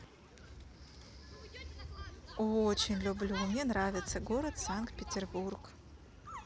очень люблю мне нравится город санкт петербург